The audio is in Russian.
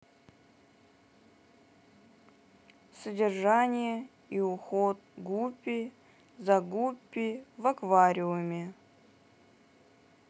содержание и уход гуппи за гуппи в аквариуме